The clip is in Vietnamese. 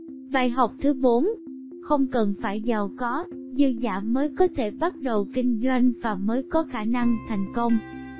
bài học thứ không cần phải giàu có dư giả mới có thể bắt đầu kinh doanh và mới có khả năng thành công